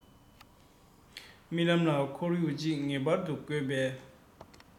རྨི ལམ ལ ཁོར ཡུག ཅིག ངེས པར དུ དགོས པས